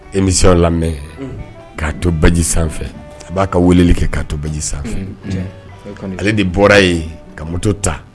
Emi lamɛn kaato baji sanfɛ a b'a ka wele kɛ kato basiji sanfɛ ale de bɔra ye ka musoto ta